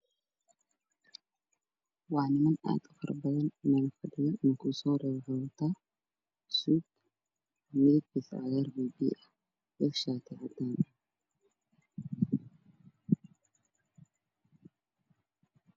Waa niman aada u badan ninka ugu soo horeeyo wuxuu wataa suud madow xigeen ah ninka ka dambeeyana wuxuu wataa shaar caddaan